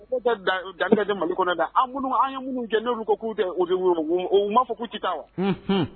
Ko dan mali kɔnɔ da an an yeunu n'olu ko'u tɛ u u ma'a fɔ' ci taa wa